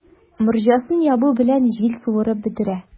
Морҗасын ябу белән, җил суырып бетерә.